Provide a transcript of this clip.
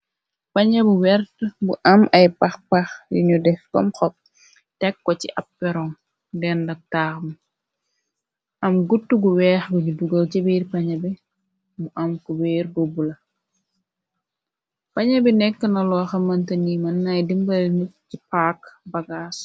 Pañe bu wert bu am ay pax pax yi ñu def kom xob, tek ko ci ab peron dendak taax mi, am gutt bu weex bunj dugal ci biir pañe bi mu am kubeer bu bula, pañe bi nekk na loo xamënte ni mënnay dimbale nit ci paak bagaas.